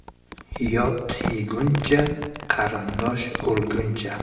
yot yeguncha qarindosh o'lguncha